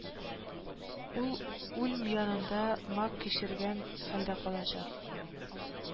Ул Ульм янында Мак кичергән хәлдә калачак